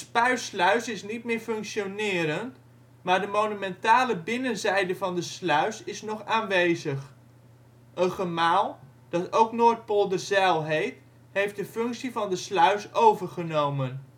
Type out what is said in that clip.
De spuisluis is niet meer functionerend, maar de monumentale binnenzijde van de sluis is nog aanwezig. Een gemaal, dat ook Noordpolderzijl heet, heeft de functie van de sluis overgenomen